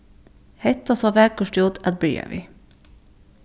hetta sá vakurt út at byrja við